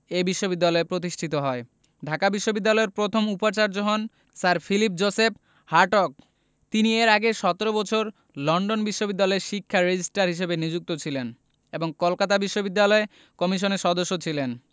এ বিশ্ববিদ্যালয় প্রতিষ্ঠিত হয় ঢাকা বিশ্ববিদ্যালয়ের প্রথম উপাচার্য হন স্যার ফিলিপ জোসেফ হার্টগ তিনি এর আগে ১৭ বছর লন্ডন বিশ্ববিদ্যালয়ের শিক্ষা রেজিস্ট্রার হিসেবে নিযুক্ত ছিলেন এবং কলকাতা বিশ্ববিদ্যালয় কমিশনের সদস্য ছিলেন